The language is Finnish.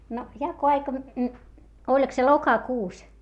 no jakoaika oliko se lokakuussa